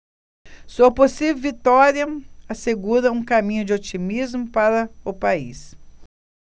sua possível vitória assegura um caminho de otimismo para o país